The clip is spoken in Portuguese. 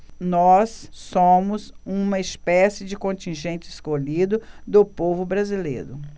nós somos uma espécie de contingente escolhido do povo brasileiro